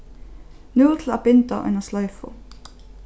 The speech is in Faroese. nú til at binda eina sloyfu